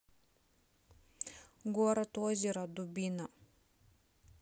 город озера дубина